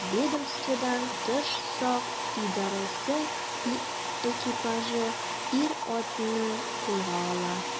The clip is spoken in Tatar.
Ведомстводан тыш сак идарәсе экипажы ир-атны кулга ала.